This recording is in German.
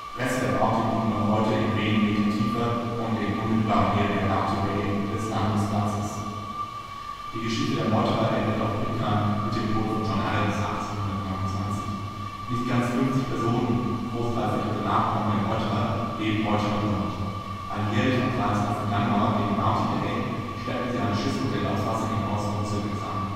Reste der Bounty liegen noch heute in wenigen Metern Tiefe und in unmittelbarer Nähe der „ Bounty Bay “, des Landungsplatzes. Die Geschichte der Meuterer endet auf Pitcairn mit dem Tod von John Adams (1829). Nicht ganz 50 Personen, großteils direkte Nachkommen der Meuterer, leben heute noch dort. Alljährlich am 23. Januar, dem Bounty Day, schleppen sie ein Schiffsmodell aufs Wasser hinaus und zünden es an